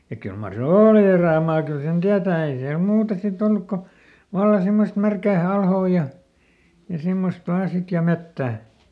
ja kyllä mar se oli erämaa kyllä sen tietää ei siellä muuta sitten ollut kun vallan semmoista märkää alhoa ja ja semmoista vain sitten ja metsä